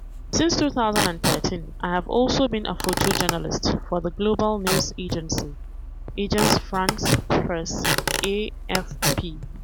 Since 2013, I have also been a photojournalist for the global news agency, Agence France Presse (AFP).